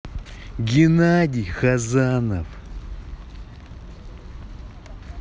геннадий хазанов